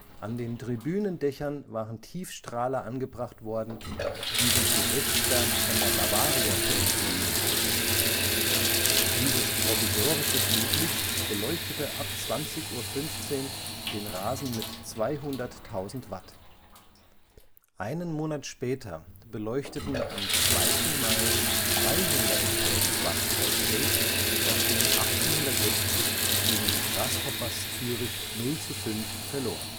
An den Tribünendächern waren Tiefstrahler angebracht worden, die sich die Sechzger von der Bavaria Film geliehen hatten. Dieses provisorische Flutlicht beleuchtete ab 20:15 Uhr den Rasen mit 200.000 Watt. Einen Monat später beleuchteten am 2. Mai 300.000 Watt das Feld, auf dem 1860 gegen die Grasshoppers Zürich 0:5 verlor